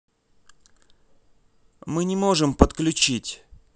мы не можем подключить